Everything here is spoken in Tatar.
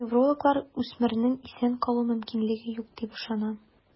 Неврологлар үсмернең исән калу мөмкинлеге юк диеп ышана.